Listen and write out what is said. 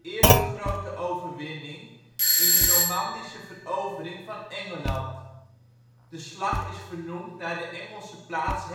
eerste grote overwinning in de Normandische verovering van Engeland. De slag is vernoemd naar de Engelse plaats